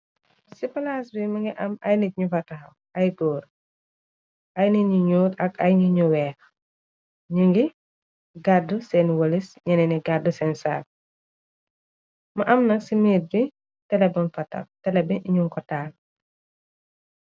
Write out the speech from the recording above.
Ci palaas bi mëngi am ay nit ñu fataaw ay góor ay nit ñu ñuut ak ay ni ñu weex ñi ngi gàddu seen wëlis ñene ni gàdd seen saak ma am nag ci miir bi teebn fatax tele bi iñu kotaal.